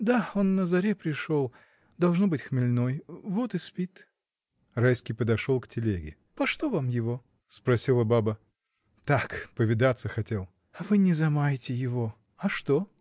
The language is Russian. — Да он на заре пришел, должно быть хмельной, вот и спит! Райский пошел к телеге. — Пошто вам его? — спросила баба. — Так: повидаться хотел! — А вы не замайте его! — А что?